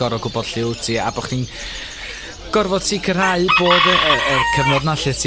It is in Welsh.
goro gwbo lle wti a bo' chdi'n gorfo' sicrhau bod y,y, yr cyfnod 'na lle ti